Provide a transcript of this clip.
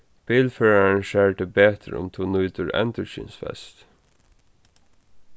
bilførarin sær teg betur um tú nýtir endurskinsvest